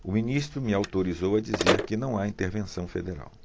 o ministro me autorizou a dizer que não há intervenção federal